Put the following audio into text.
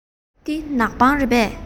འདི ནག པང རེད པས